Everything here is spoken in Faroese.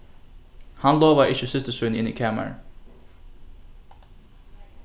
hann lovaði ikki systir síni inn í kamarið